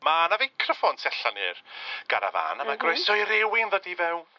Ma' 'na feicroffôn tu allan i'r garafan a ma' groeso i rhywun ddod i fewn